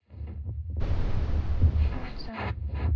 фильм мученицы